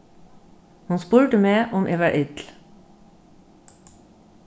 hon spurdi meg um eg var ill